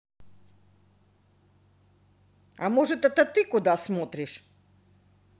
а может это ты куда смотришь